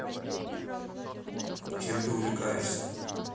чем ты увлекаешься